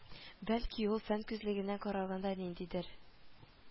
Бәлки ул, фән күзлегеннән караганда, ниндидер